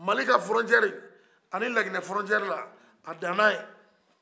mali kan fɔrɔtɛri ani laginɛ fɔrɔtɛri la a dana ye